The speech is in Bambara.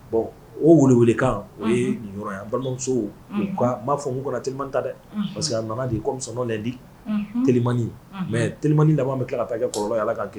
Bon o wele wele kan, unhun, o ye ni yɔrɔ ye, unhun, an balimamuso u ka, n ma fɔ u ka na Telimani ta dɛ, unhun parce que a nana de comme son l'indique Telimani mais Telimani laban bɛ till kɛ kɔlɔlɔ ye, Ala k'an kisi.